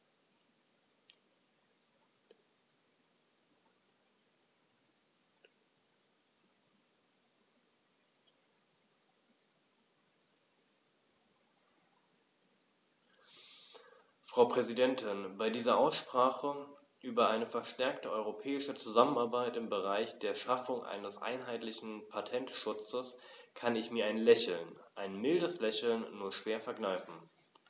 Frau Präsidentin, bei dieser Aussprache über eine verstärkte europäische Zusammenarbeit im Bereich der Schaffung eines einheitlichen Patentschutzes kann ich mir ein Lächeln - ein mildes Lächeln - nur schwer verkneifen.